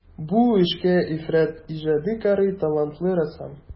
Бу эшкә ифрат та иҗади карый талантлы рәссам.